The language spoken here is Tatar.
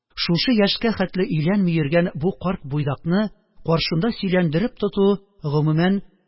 Шушы яшькә хәтле өйләнми йөргән бу карт буйдакны каршында сөйләндереп тоту, гомумән,